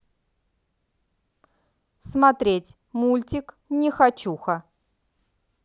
смотреть мультик нехочуха